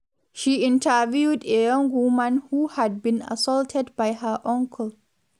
She interviewed a young woman who had been assaulted by her uncle.